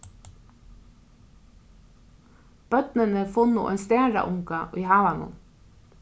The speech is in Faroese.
børnini funnu ein staraunga í havanum